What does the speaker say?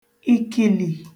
ìkìlì